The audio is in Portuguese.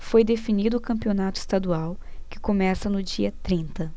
foi definido o campeonato estadual que começa no dia trinta